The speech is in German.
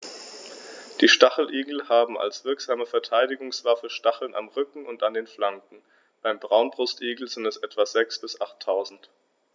Die Stacheligel haben als wirksame Verteidigungswaffe Stacheln am Rücken und an den Flanken (beim Braunbrustigel sind es etwa sechs- bis achttausend).